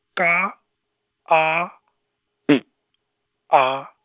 K A P A.